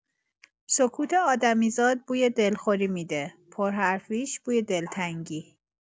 سکوت آدمیزاد بوی دلخوری می‌ده، پرحرفیش بوی دلتنگی!